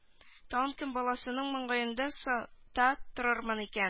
Тагын кем баласының маңгаенда сакта торырмын икән